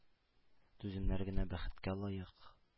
Түземнәр генә бәхеткә лаек”.